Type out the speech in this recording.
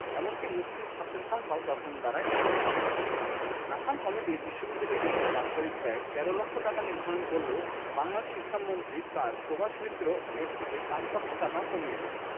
এমনকি মুসলমান ছাত্রের সংখ্যাও তখন দাঁড়ায় মাত্র ৯ শতাংশ নাথান কমিটি বিশ্ববিদ্যালয়ের জন্য বাৎসরিক ব্যয় ১৩ লক্ষ টাকা নির্ধারণ করলেও বাংলার শিক্ষামন্ত্রী স্যার প্রভাস মিত্র এর থেকে পাঁচ লক্ষ টাকা কমিয়ে দেন